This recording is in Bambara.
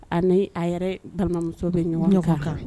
A a yɛrɛ balimamuso bɛ ɲɔgɔn ɲɔgɔn kan